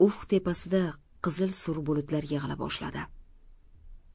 ufq tepasida qizil sur bulutlar yig'ila boshladi